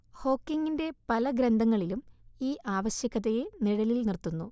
ഹോക്കിങ്ങിന്റെ പല ഗ്രന്ഥങ്ങളിലും ഈ ആവശ്യകതയെ നിഴലിൽ നിർത്തുന്നു